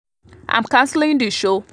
I’m cancelling the show.